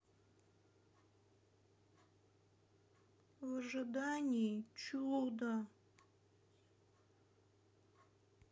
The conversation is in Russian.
в ожидании чуда